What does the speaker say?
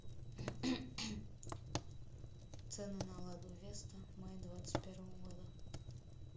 цены на ладу веста май двадцать первого года